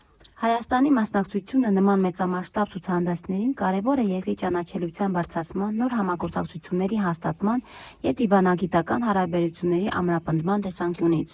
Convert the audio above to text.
Հայաստանի մասնակցությունը նման մեծամասշտաբ ցուցահանդեսներին կարևոր է երկրի ճանաչելիության բարձրացման, նոր համագործակցությունների հաստատման և դիվանագիտական հարաբերությունների ամրապնդման տեսանկյունից։